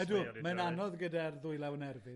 Ydw, mae'n anodd gyda'r ddwylaw yn erbyn.